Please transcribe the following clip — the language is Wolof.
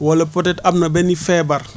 wala peut être am na benn feebar